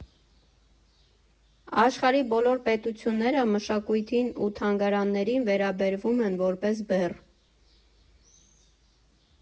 Աշխարհի բոլոր պետությունները մշակույթին ու թանգարաններին վերաբերվում են որպես բեռ։